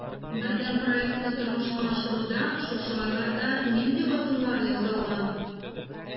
Бердәм проектны тормышка ашыруда шушы айларда нинди адымнар ясалган?